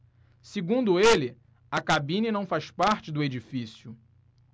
segundo ele a cabine não faz parte do edifício